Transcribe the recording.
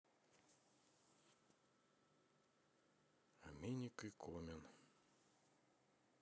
аминка и комин